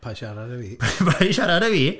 Paid siarad 'da fi. Paid siarad 'da fi!